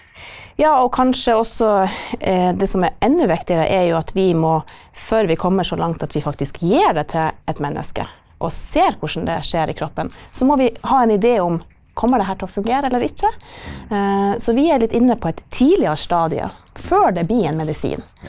ja, og kanskje også det som er ennå viktigere er jo at vi må før vi kommer så langt at vi faktisk gir det til et menneske og ser hvordan det skjer i kroppen, så må vi ha en ide om kommer det her til å fungere eller ikke , så vi er litt inne på et tidligere stadium før det blir en medisin.